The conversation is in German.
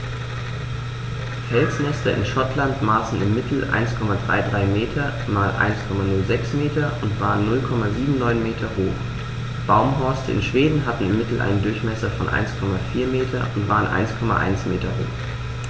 Felsnester in Schottland maßen im Mittel 1,33 m x 1,06 m und waren 0,79 m hoch, Baumhorste in Schweden hatten im Mittel einen Durchmesser von 1,4 m und waren 1,1 m hoch.